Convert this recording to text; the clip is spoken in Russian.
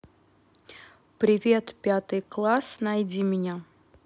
привет пятый класс найди мне